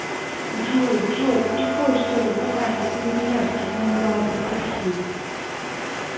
джой джой тупой что ли давай михаил боярский зеленоглазое такси